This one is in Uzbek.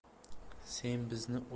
sen bizni odamlar